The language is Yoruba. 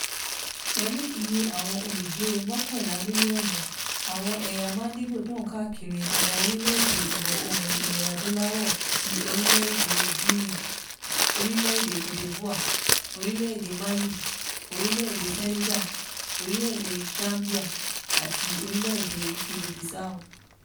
Pẹ̀lú ìyè àwọn olùgbé 11 mílíọ̀nù, àwọn ẹ̀yà Mandingo tàn káàkiri àwọn orílẹ́ èdè Ìwọ̀ Oòrùn Ilẹ̀ Adúláwò ti orílẹ̀ èdè Guinea, orílẹ̀ èdè Cote d'Ivoire, orílẹ̀ èdè Mali, orílẹ̀ èdè Senegal, orílẹ̀ èdè Gambia àti orílẹ́ èdè Guinea Bissau.